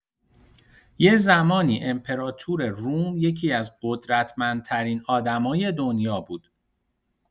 یه زمانی امپراطور روم یکی‌از قدرتمندترین آدمای دنیا بود!